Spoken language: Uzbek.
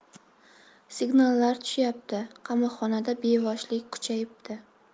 signallar tushyapti qamoqxonada bevoshlik kuchayibdi